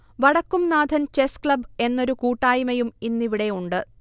Vadakkumnathan chess club എന്നൊരു കൂട്ടായ്മയും ഇന്നിവിടെ ഉണ്ട്